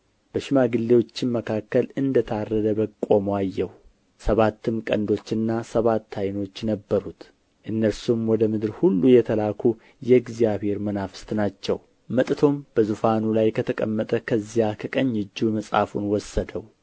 በሽማግሌዎችም መካከል እንደ ታረደ በግ ቆሞ አየሁ ሰባትም ቀንዶችና ሰባት ዓይኖች ነበሩት እነርሱም ወደ ምድር ሁሉ የተላኩ የእግዚአብሔር መናፍስት ናቸው መጥቶም በዙፋን ላይ ከተቀመጠ ከዚያ ከቀኝ እጁ መጽሐፉን ወሰደው